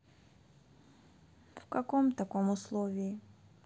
в каком таком условии